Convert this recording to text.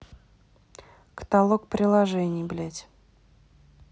каталог приложений блять